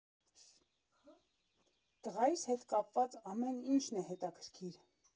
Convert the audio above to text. Տղայիս հետ կապված ամեն ինչն է հետաքրքիր.